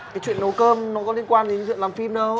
cái chuyện nấu cơm nó có liên quan đến chuyện làm phim đâu